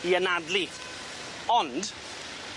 i anadlu. Ond